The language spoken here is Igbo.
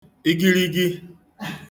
igiligi